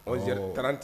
Ɔ garante